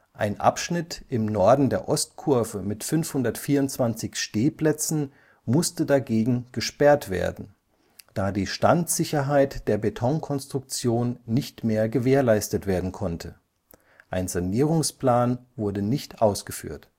Ein Abschnitt im Norden der Ostkurve mit 524 Stehplätzen musste dagegen gesperrt werden, da die Standsicherheit der Betonkonstruktion nicht mehr gewährleistet werden konnte, ein Sanierungsplan wurde nicht ausgeführt